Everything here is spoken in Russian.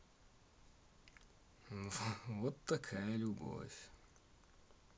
вот такая любовь